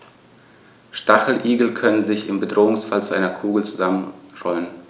Stacheligel können sich im Bedrohungsfall zu einer Kugel zusammenrollen.